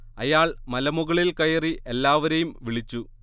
അയാൾ മലമുകളിൽ കയറി എല്ലാവരെയും വിളിച്ചു